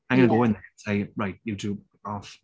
I'm going to... ie ...go in there and say "right you two, off".